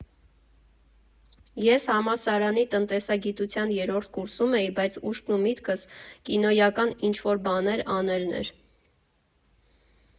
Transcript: Ես համալսարանի տնտեսագիտության երրորդ կուրսում էի, բայց ուշք ու միտքս կինոյական ինչ֊որ բաներ անելն էր։